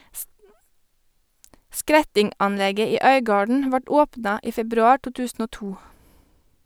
Skretting-anlegget i Øygarden vart åpna i februar 2002.